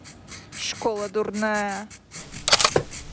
школа дурная